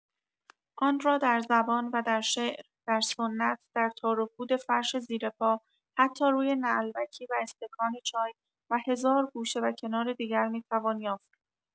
آن را در زبان، و در شعر، در سنت، در تاروپود فرش زیر پا، حتی روی نعلبکی و استکان چای، و هزار گوشه و کنار دیگر می‌توان یافت.